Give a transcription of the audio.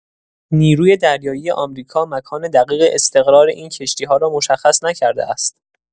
نیروی دریایی آمریکا مکان دقیق استقرار این کشتی‌ها را مشخص نکرده است.